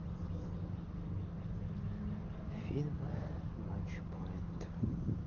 фильм матч пойнт